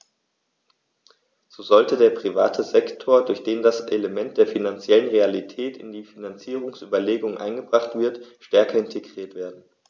So sollte der private Sektor, durch den das Element der finanziellen Realität in die Finanzierungsüberlegungen eingebracht wird, stärker integriert werden.